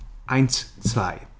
Eins, zwei.